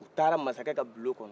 u taara masakɛ ka bulon kɔnɔ